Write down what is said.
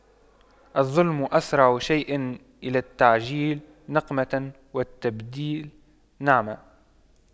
الظلم أسرع شيء إلى تعجيل نقمة وتبديل نعمة